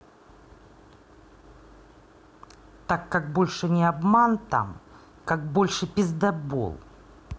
так как больше не обман там как больше пиздабол